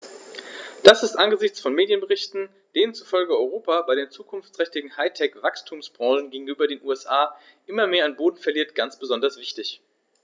Das ist angesichts von Medienberichten, denen zufolge Europa bei den zukunftsträchtigen High-Tech-Wachstumsbranchen gegenüber den USA immer mehr an Boden verliert, ganz besonders wichtig.